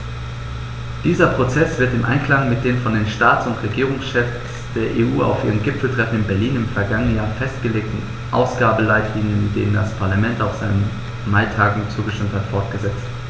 Dieser Prozess wird im Einklang mit den von den Staats- und Regierungschefs der EU auf ihrem Gipfeltreffen in Berlin im vergangenen Jahr festgelegten Ausgabenleitlinien, denen das Parlament auf seiner Maitagung zugestimmt hat, fortgesetzt.